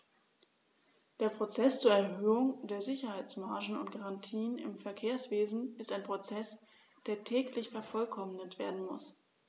Der Prozess zur Erhöhung der Sicherheitsmargen und -garantien im Verkehrswesen ist ein Prozess, der täglich vervollkommnet werden muss.